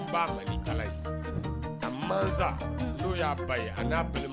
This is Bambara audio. Ba'a